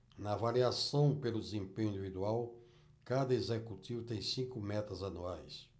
na avaliação pelo desempenho individual cada executivo tem cinco metas anuais